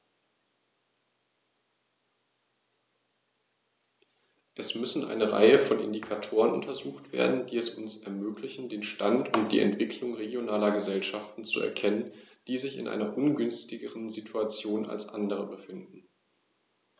Es müssen eine Reihe von Indikatoren untersucht werden, die es uns ermöglichen, den Stand und die Entwicklung regionaler Gesellschaften zu erkennen, die sich in einer ungünstigeren Situation als andere befinden.